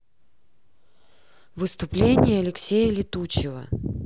выступление алексея летучего